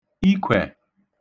ikwẹ̀